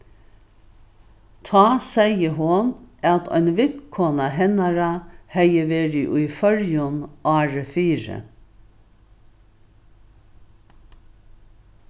tá segði hon at ein vinkona hennara hevði verið í føroyum árið fyri